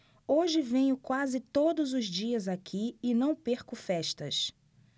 hoje venho quase todos os dias aqui e não perco festas